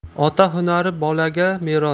ota hunari bolaga meros